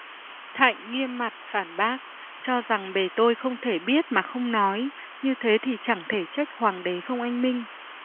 thạnh nghiêm mặt phản bác cho rằng bề tôi không thể biết mà không nói như thế thì chẳng thể trách hoàng đế không anh minh